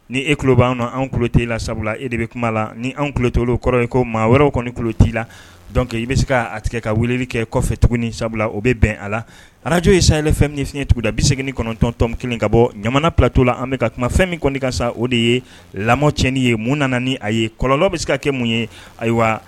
Ni e tuloba'anan t'e la sabula e de bɛ kuma la nian tulo to kɔrɔ in ko maa wɛrɛw kɔnɔ kululo' la dɔnke i bɛ se k' atigɛ ka wulili kɛ kɔfɛ tugun sabula o bɛ bɛn a la arajo yesiyɛlɛ fɛn fiɲɛɲɛ tugu da bɛ segin kɔnɔntɔntɔn kelen ka bɔ ɲa patɔ la an bɛka ka kuma fɛn min kɔni ka sa o de ye lamɔci ye mun nana ni a ye kɔlɔlɔ bɛ se ka kɛ mun ye ayiwa